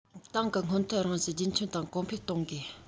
ཏང གི སྔོན ཐོན རང བཞིན རྒྱུན འཁྱོངས དང གོང འཕེལ གཏོང དགོས